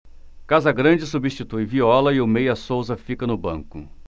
casagrande substitui viola e o meia souza fica no banco